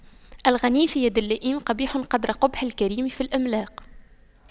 الغنى في يد اللئيم قبيح قدر قبح الكريم في الإملاق